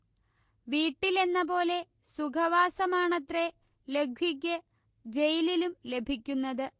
വീട്ടിലെന്ന പോലെ സുഖവാസമാണേ്രത ലഖ്വിക്ക് ജയിലിലും ലഭിക്കുന്നത്